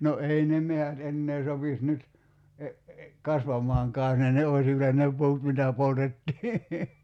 no ei ne metsät enää sopisi nyt kasvamaankaan jos ne ne olisi vielä ne puut mitä poltettiin